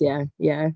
Ie, ie.